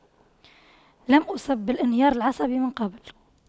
لم أصب بالانهيار العصبي من قبل